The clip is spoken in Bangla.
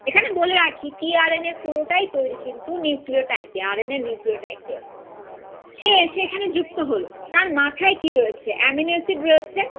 এখানে বলে রাখি টি আর এন এ পুরোটাই তৈরি কিন্তু নিউক্লিওটাইড দিয়ে আর এন এ এর নিউক্লিওটাইড দিয়ে সে এসে সেখানে যুক্ত হলো তার মাথায় কি রয়েছে অ্যামিনো এসিড রয়েছে